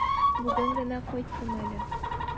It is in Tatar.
Бүген генә кайттым әле.